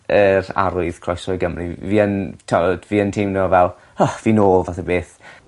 yr arwydd croeso i Gymru f- fi yn t'od fi yn teimlo fel fi nôl fath o beth.